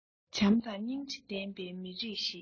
བྱམས དང སྙིང རྗེ ལྡན པའི མི རིགས ཤིག